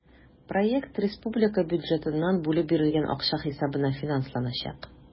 Проект республика бюджетыннан бүлеп бирелгән акча хисабына финансланачак.